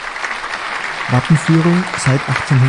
Wappenführung seit: 1882